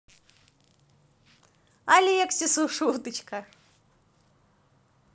алексису шуточка